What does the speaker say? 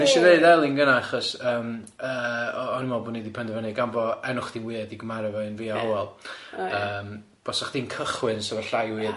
Nes i ddeud Elin gynna achos yym yy o- o'n i'n meddwl bod ni di penderfynu gan bo' enw chdi'n weird i gymaru efo un fi a Owel yym bysa chdi'n cychwyn so ma'r llai weird.